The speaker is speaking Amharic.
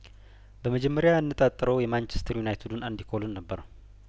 በመጀመሪያ ያነጣጠረው የማንቸስተር ዩናትዱን አንዲኮልን ነበር